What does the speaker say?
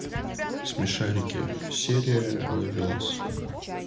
смешарики серия ловелас